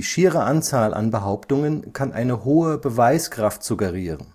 schiere Anzahl an Behauptungen kann eine hohe Beweiskraft suggerieren.